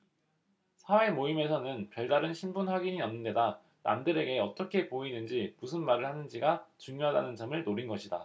사회모임에서는 별다른 신분 확인이 없는 데다 남들에게 어떻게 보이는지 무슨 말을 하는지가 중요하다는 점을 노린 것이다